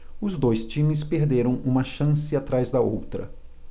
os dois times perderam uma chance atrás da outra